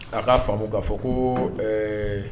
A k'a faamu'a fɔ ko